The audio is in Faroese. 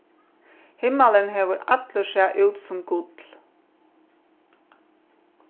himmalin hevur allur sæð út sum gull